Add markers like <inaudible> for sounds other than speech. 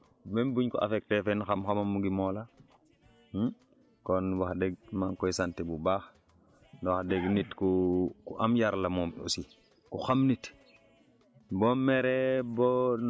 kon xam nga kooku xam-xamam même buñ ko affecté fznn xam-xamam mu ngi Mawla <hesitation> kon wax dëgg maa ngi koy sant bu baax wax dëgg nit ku ku am yar la moom aussi ku xam nit